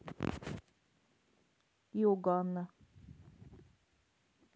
иоганна